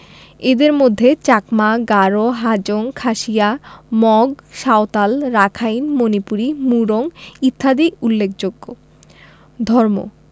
এদের মধ্যে চাকমা গারো হাজং খাসিয়া মগ সাঁওতাল রাখাইন মণিপুরী মুরং ইত্যাদি উল্লেখযোগ্য ধর্ম